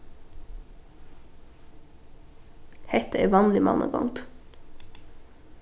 hetta er vanlig mannagongd